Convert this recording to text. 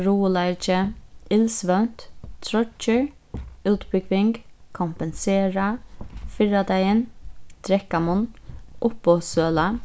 ruðuleiki illsvøvnt troyggjur útbúgving kompensera fyrradagin drekkamunn uppboðssøla